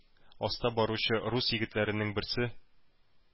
Аста баручы рус егетләренең берсе,